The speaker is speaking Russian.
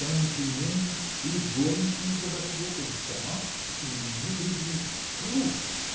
что она непременно или горничную подошлет или сама. и не предвидеть! глупо!